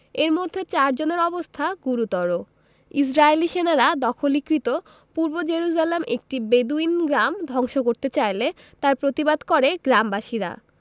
এর মধ্যে চার জনের অবস্থা গুরুত্বর ইসরাইলি সেনারা দখলীকৃত পূর্ব জেরুজালেম একটি বেদুইন গ্রাম ধ্বংস করতে চাইলে তার প্রতিবাদ করে গ্রামবাসীরা